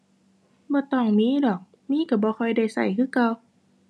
บ่ต้องมีดอก มีก็บ่ค่อยได้ก็คือเก่า